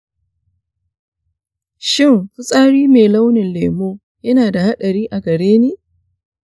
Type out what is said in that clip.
shin fitsari mai launin lemu yana da haɗari a gare ni?